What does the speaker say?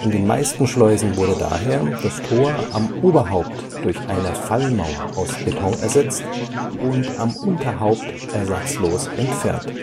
den meisten Schleusen wurde daher das Tor am Oberhaupt durch eine Fallmauer aus Beton ersetzt und am Unterhaupt ersatzlos entfernt